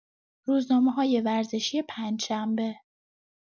روزنامه‌های ورزشی پنج‌شنبه